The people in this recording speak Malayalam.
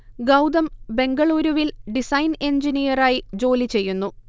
ഗൗതം ബെംഗളൂരുവിൽ ഡിസൈൻ എൻജിനീയറായി ജോലിചെയ്യുന്നു